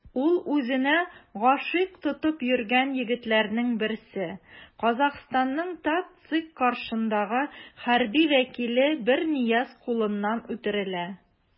Ул үзенә гашыйк тотып йөргән егетләрнең берсе - Казахстанның ТатЦИК каршындагы хәрби вәкиле Бернияз кулыннан үтерелә.